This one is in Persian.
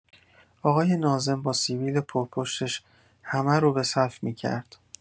آقای ناظم با سبیل پرپشتش همه رو به صف می‌کرد.